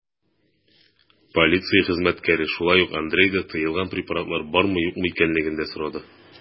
Полиция хезмәткәре шулай ук Андрейда тыелган препаратлар бармы-юкмы икәнлеген дә сорады.